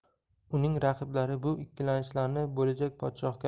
uning raqiblari bu ikkilanishlarni bo'lajak podshohga